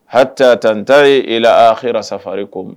Hata ta n taara e la ahra safari ko